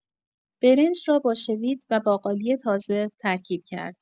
برنج را با شوید و باقالی تازه ترکیب کرد.